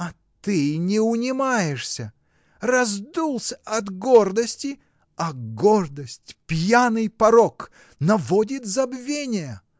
А ты не унимаешься, раздулся от гордости, а гордость — пьяный порок, наводит забвение.